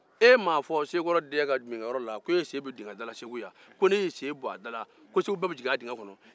e m'a fɔ sekɔrɔ dɛɛ ka yɔrɔ la k'e sen bɛ dingɛ ko n'e y'i sen bɔ a da la ko segu bɛɛ jgin a kɔnɔ